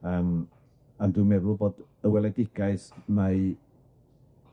Yym ond dwi'n meddwl bod y weledigaeth mae...